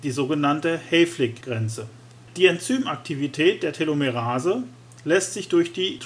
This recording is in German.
sogenannte Hayflick-Grenze). Die Enzymaktivität der Telomerase lässt sich durch die